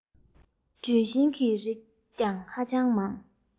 ལྗོན ཤིང གི རིགས ཀྱང ཧ ཅང མང